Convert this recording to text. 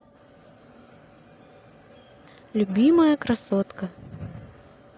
любимая красотка